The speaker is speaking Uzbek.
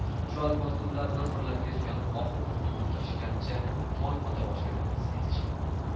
shu alpozda ular bir birlariga suyanib oxur ustida o'tirishganicha tong ota boshlaganini sezishmadi